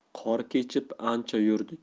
qor kechib ancha yurdik